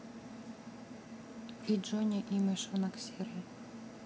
и джонни и мышонок серый